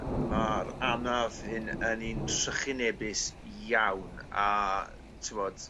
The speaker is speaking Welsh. ma'r anaf hyn yn un trychinebus iawn a t'wod